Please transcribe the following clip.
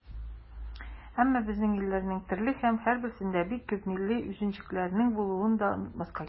Әмма безнең илләрнең төрле һәм һәрберсендә бик күп милли үзенчәлекләр булуын да онытмаска кирәк.